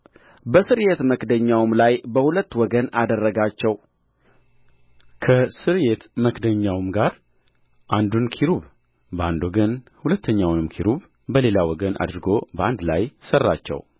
በስርየት መክደኛውም ላይ በሁለት ወገን አደረጋቸው በስርየት መክደኛውም ጋር አንዱን ኪሩብ በአንድ ወገን ሁለተኛውንም ኪሩብ በሌላው ወገን አድርጎ በአንድ ላይ ሠራቸው